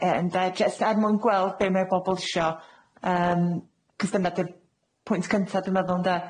Yy ynde, jyst er mwyn gweld be' mae bobol isio, yym, cos dyna 'di'r pwynt cynta dwi'n meddwl, ynde?